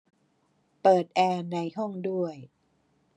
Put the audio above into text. เปิดแอร์ในห้องด้วย